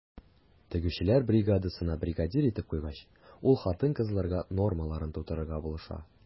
Тегүчеләр бригадасына бригадир итеп куйгач, ул хатын-кызларга нормаларын тутырырга булыша.